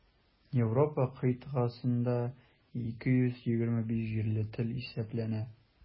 Европа кыйтгасында 225 җирле тел исәпләнә.